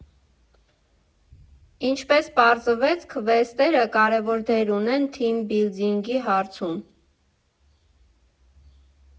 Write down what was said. Ինչպես պարզվեց, քվեսթերը կարևոր դեր ունեն թիմ բիլդինգի հարցում։